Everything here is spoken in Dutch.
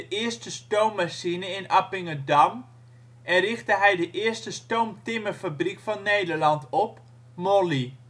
eerste stoommachine in Appingedam en richtte hij de eerste stoomtimmerfabriek van Nederland op, Molly